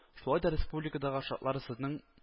Шулай да республикадагы шартлар сезнең